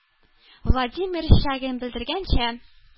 Владимир Чагин белдергәнчә,